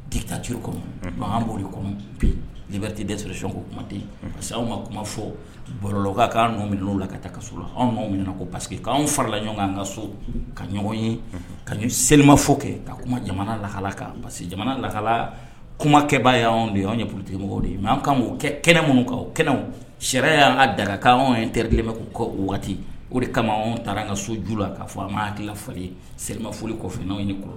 Dita juru kɔnɔ an bɔri kɔnɔ bibite de sɔrɔc ko kuma tɛ parce que anw ma kuma fɔ barolɔka'an minɛ la ka taa ka so la anw min ko parce que' anw farala ɲɔgɔn kan' ka so ka ɲɔgɔn ye ka selimafɔ kɛ ka kuma jamana laka kan parce jamana laka kumakɛba y' anw de ye anw yeurute mɔgɔw de ye an ka' kɛ kɛnɛ minnu ka o kɛnɛ sariya y'an ka daga' anw ye teri kelenmɛ ko ko waati o de kama anw taara an ka so ju la k kaa fɔ an ma hakilifali selima foli kɔfɛ' ye ni kɔrɔ